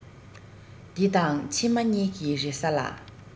འདི དང ཕྱི མ གཉིས ཀྱི རེ ས ལ